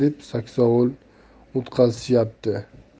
deb saksovul o'tkazishyapti